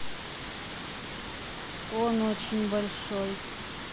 он очень большой